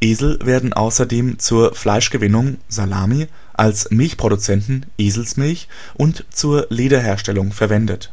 Esel werden außerdem zur Fleischgewinnung (Salami), als Milchproduzenten (Eselsmilch) und zur Lederherstellung verwendet.